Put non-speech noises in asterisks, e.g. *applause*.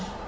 *hesitation* *hesitation*